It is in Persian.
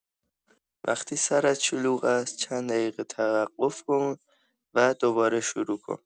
وقتی سرت شلوغ است، چند دقیقه توقف کن و دوباره شروع کن.